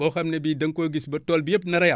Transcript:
boo xam ne bi da nga koy gis ba tool bi yépp nar a yàqu